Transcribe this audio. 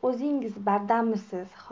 o'zingiz bardammisiz